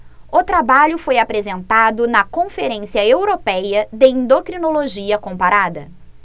o trabalho foi apresentado na conferência européia de endocrinologia comparada